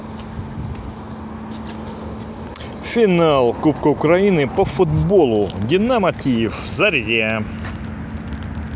хорошо разговаривай тогда с ней я не буду тебя трогать